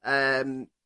Yym.